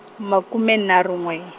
makume nharhu n'we.